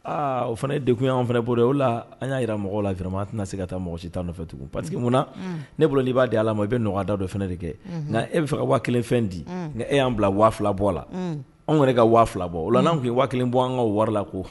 Aaa o fana ye dekun'anw fana bolo o la an y'a jira mɔgɔ lama tɛna se ka taa mɔgɔ si t nɔfɛ tugun pa mun na ne bolo i b'a di ala ma e bɛ nɔgɔyada dɔ fana de kɛ nka e bɛ fɛ ka waa kelen fɛn di nka e y'an bila waa bɔ a la anw yɛrɛ ka waa bɔ ola n'an tun waa kelen bɔ an ka wari la ko